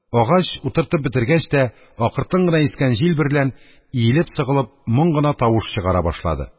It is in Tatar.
Агач, утыртып бетергәч тә, акыртын гына искән җил берлән, иелеп-сыгылып, моң гына тавыш чыгара башлады